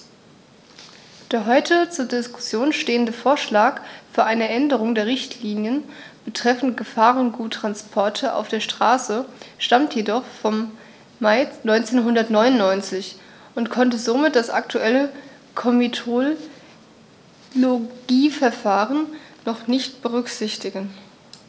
Der heute zur Diskussion stehende Vorschlag für eine Änderung der Richtlinie betreffend Gefahrguttransporte auf der Straße stammt jedoch vom Mai 1999 und konnte somit das aktuelle Komitologieverfahren noch nicht berücksichtigen.